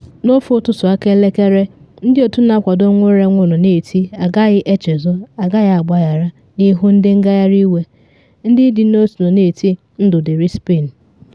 N’ofe ọtụtụ aka elekere ndị otu na akwado nnwere onwe nọ na eti “Agaghị echezọ, agaghị agbahara” n’ihu ndị ngagharị iwe ndị ịdị n’otu nọ na eti, “Ndụ dịịrị Spain.”